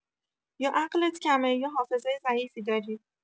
یا عقلت کمه یا حافظه ضعیفی داری!